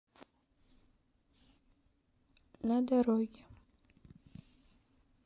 на дороге